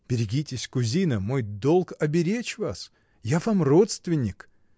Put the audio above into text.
Берегитесь, кузина, мой долг остеречь вас! Я вам родственник!